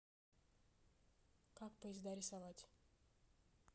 как поезда рисовать